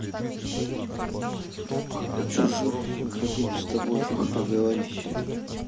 чужой мы хотим с тобой поговорить